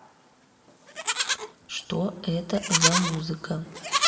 что это за музыка